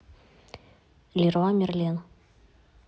леруа мерлен